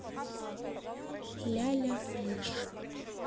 ляля мышь